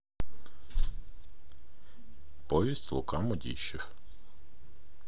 повесть лука мудищев